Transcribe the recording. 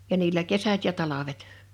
ja niillä kesät ja talvet